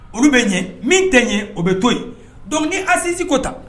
Olu be ɲɛ min te ɲɛ o be to ye donc ni assise ko tan